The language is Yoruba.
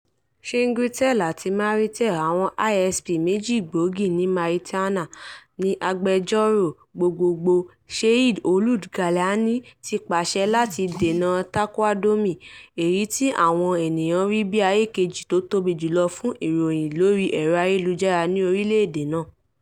Chinguitel àti Mauritel, àwọn ISP méjì gbòógì ní Mauritania ni agbejọ́rọ̀ gbogboogbò, Seyid Ould Ghaïlani, ti pa láṣẹ láti dèna Taqadoumy, èyí tí àwọn èèyan ń rí bí ààyè kejì tó tòbí jùlọ̀ fún ìròyìn lórí ẹ̀rọ ayèlujára ní orílẹ̀ èdè náà.